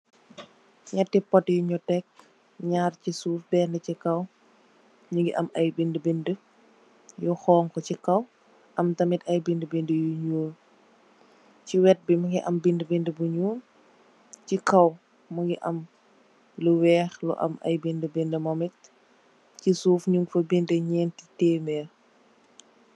Ñetti por yin tèg, ñaar ci suuf benna ci kaw mugii am ay bindé bindé yu xonxu ci kaw am tam bindé bindé yu ñuul ci wet bi mu ngi am bindé bindé bu ñuul ci kaw mugii am lu wèèx lu am ay bindé bindé momit. Ci suuf ñing fa bindé ñénti témér.